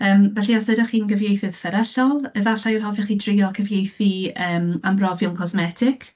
Yym felly os ydych chi'n gyfieithydd fferyllol, efallai yr hoffech chi drio cyfieithu yym arbrofion cosmetig.